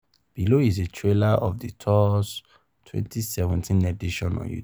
Below is a trailer of the tour's 2017 edition on YouTube: